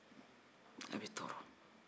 a b'i tɔrɔrɔ